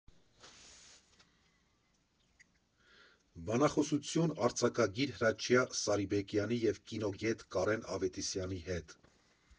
Բանախոսություն արձակագիր Հրաչյա Սարիբեկյանի և կինոգետ Կարեն Ավետիսյանի հետ։